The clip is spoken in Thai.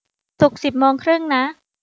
ปลุกสิบโมงครึ่งนะ